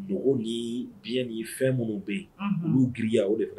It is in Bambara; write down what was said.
Mɔgɔw bi biyɛn ni fɛn munun be yen olu giriya o de